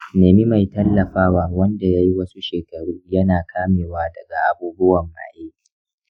nemi mai tallafawa wanda yayi wasu shekaru yana kamewa daga abubuwan maye.